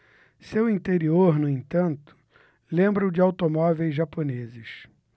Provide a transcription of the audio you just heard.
seu interior no entanto lembra o de automóveis japoneses